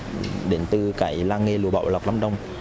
đến từ cái làng nghề lụa bảo lộc lâm đồng